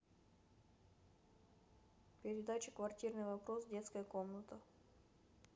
передача квартирный вопрос детская комната